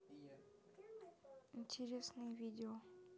интересные видео